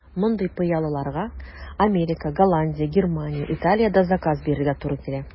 Мондый пыялаларга Америка, Голландия, Германия, Италиядә заказ бирергә туры килә.